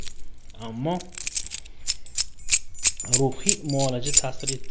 mmo ro'hiy muolaja ta'sir etdimi